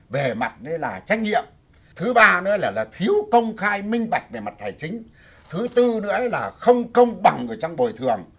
về mặt nay là trách nhiệm thứ ba nữa là thiếu công khai minh bạch về mặt hành chính thứ tư nữa là không công bằng ở trong bồi thường